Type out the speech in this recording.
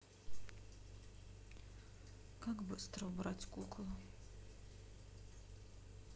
как быстро убрать кукол